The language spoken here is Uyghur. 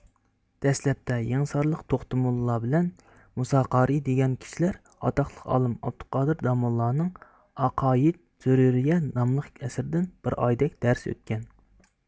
دەسلەپتە يېڭىسارلىق توختى موللا بىلەن مۇسا قارىي دېگەن كىشىلەر ئاتاقلىق ئالىم ئابدۇقادىر داموللانىڭ ئاقايىد زۆرۈرىيە ناملىق ئەسىرىدىن بىر ئايدەك دەرس ئۆتكەن